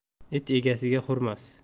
it egasiga hurmas